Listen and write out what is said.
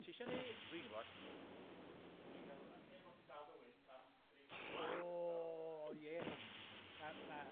Ti isio ni, fi'n gwybod, wnawn ni gael yn lle bo' ti'n dal dy wynt am dri chwarter awr... O ie. Ma' ma'...